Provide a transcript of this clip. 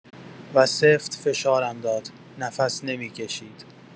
و سفت فشارم داد، نفس نمی‌کشید.